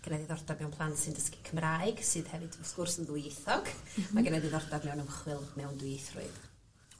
gennai ddiddordab mewn plant sy'n dysgu Cymraeg sydd hefyd wrth gwrs yn ddwy ieithog... Mhm. ...mae gennai ddiddordeb mewn ymchwil mewn dwy ieithrwydd.